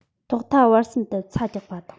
ཐོག མཐའ བར གསུམ དུ ཚ རྒྱག པ དང